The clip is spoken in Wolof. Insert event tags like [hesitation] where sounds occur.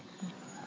[hesitation] [hesitation]